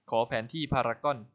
ขอแผนที่พารากอน